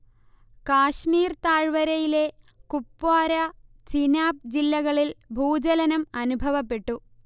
കാശ്മീർ താഴ്വരയിലെ കുപ്വാര, ചിനാബ് ജില്ലകളിൽ ഭൂചലനം അനുഭവപ്പെട്ടു